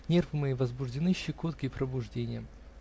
нервы мои возбуждены щекоткой и пробуждением